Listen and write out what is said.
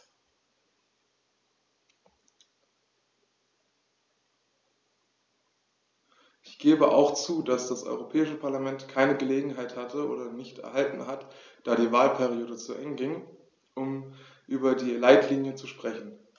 Ich gebe auch zu, dass das Europäische Parlament keine Gelegenheit hatte - oder nicht erhalten hat, da die Wahlperiode zu Ende ging -, um über die Leitlinien zu sprechen.